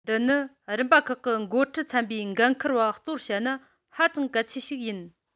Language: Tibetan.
འདི ནི རིམ པ ཁག གི འགོ ཁྲིད ཚན པའི འགན ཁུར པ གཙོ བོར བཤད ན ཧ ཅང གལ ཆེན ཞིག ཡིན